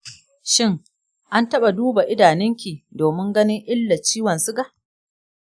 shin an taɓa duba idanunki domin ganin illar ciwon suga?